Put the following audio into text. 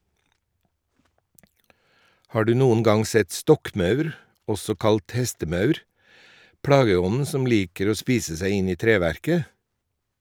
Har du noen gang sett stokkmaur , også kalt hestemaur, plageånden som liker å spise seg inn i treverket?